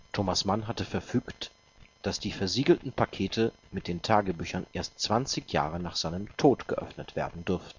Thomas Mann hatte verfügt, dass die versiegelten Pakete mit den Tagebüchern erst zwanzig Jahre nach seinem Tod geöffnet werden dürfen